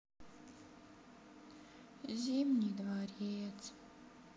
зимний дворец